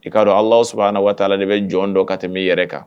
I k'a don Alahu subahana watala de bɛ jɔn dɔ ka tɛmɛ i yɛrɛ kan.